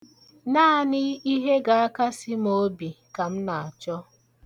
Naanị ihe ga-akasi m obi ka m na-achọ.